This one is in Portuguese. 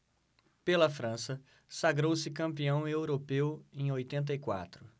pela frança sagrou-se campeão europeu em oitenta e quatro